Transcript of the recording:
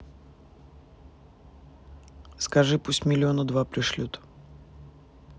скажи пусть миллиона два пришлют